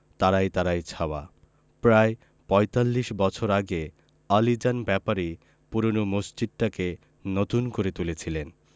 তারায় তারায় ছাওয়া প্রায় পঁয়তাল্লিশ বছর আগে আলীজান ব্যাপারী পূরোনো মসজিদটাকে নতুন করে তুলেছিলেন